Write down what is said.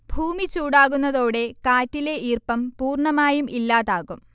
ഭൂമി ചൂടാകുന്നതോടെ കാറ്റിലെ ഈർപ്പം പൂർണമായും ഇല്ലാതാകും